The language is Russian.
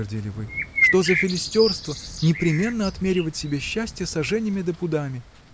— твердили вы, — что за филистерство — непременно отмеривать себе счастье саженями да пудами?